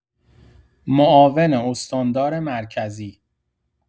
معاون استاندار مرکزی